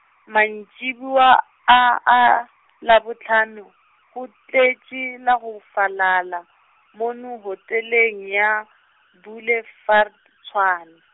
mantšiboa a a Labohlano, go tletše la go falala, mono hoteleng ya, Boulevard Tshwane.